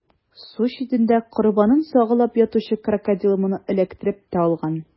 Су читендә корбанын сагалап ятучы Крокодил моны эләктереп тә алган.